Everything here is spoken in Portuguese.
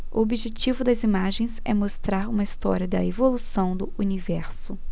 o objetivo das imagens é mostrar uma história da evolução do universo